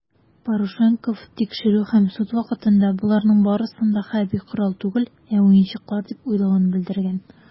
Парушенков тикшерү һәм суд вакытында, боларның барысын да хәрби корал түгел, ә уенчыклар дип уйлавын белдергән.